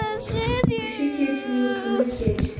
ishi kechning kuni kech